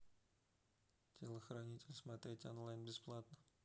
телохранитель смотреть онлайн бесплатно